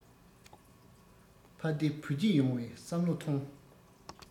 ཕ བདེ བུ སྐྱིད ཡོང བའི བསམ བློ ཐོང